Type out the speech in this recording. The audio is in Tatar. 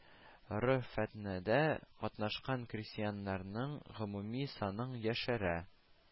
Ры фетнәдә катнашкан крестьяннарның гомуми санын яшерә